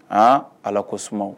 Aa ala ko suma